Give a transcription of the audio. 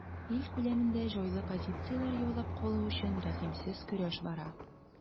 Ил күләмендә җайлы позицияләр яулап калу өчен рәхимсез көрәш бара.